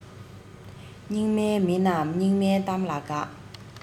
སྙིགས མའི མི རྣམས སྙིགས མའི གཏམ ལ དགའ